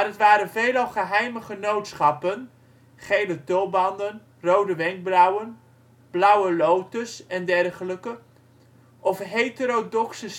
waren veelal geheime genootschappen (Gele Tulbanden, Rode Wenkbrauwen, Blauwe Lotus e.d) of heterodoxe